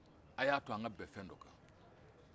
a y'a to an ka bɛn fɛn dɔ kan